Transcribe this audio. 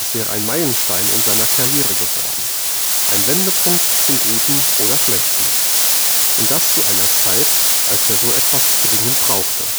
wäre ein Meilenstein in seiner [Prince’] Karriere geworden, ein Wendepunkt zum Guten oder Schlechten, und das zu einer Zeit, als er so etwas dringend brauchte